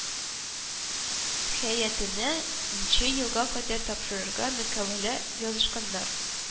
Һәйәтенә нчы елга кадәр тапшырырга мокавәлә язышканнар